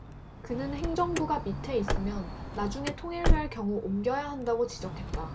그는 행정부가 밑에 있으면 나중에 통일될 경우 옮겨야 한다고 지적했다